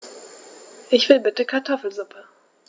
Ich will bitte Kartoffelsuppe.